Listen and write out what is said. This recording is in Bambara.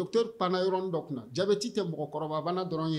Doto pan yɔrɔ dɔ kunna jabeti tɛ mɔgɔkɔrɔbabana dɔrɔn ye